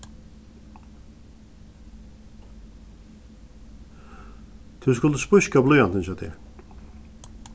tú skuldi spískað blýantin hjá tær